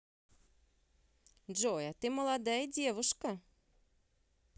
джой а ты молодая девушка